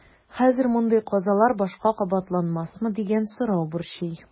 Хәзер мондый казалар башка кабатланмасмы дигән сорау борчый.